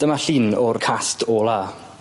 Dyma llun o'r cast ola.